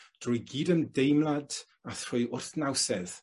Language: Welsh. drw gydymdeimlad a thrwy wrthnawsedd